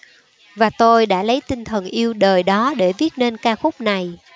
và tôi đã lấy tinh thần yêu đời đó để viết nên ca khúc này